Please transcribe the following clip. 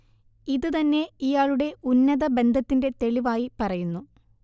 ഇത് തന്നെ ഇയാളുടെ ഉന്നത ബന്ധത്തിന്റെ തെളിവായി പറയുന്നു